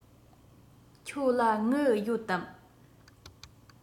ཁྱོད ལ དངུལ ཡོད དམ